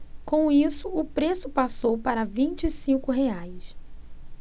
com isso o preço passou para vinte e cinco reais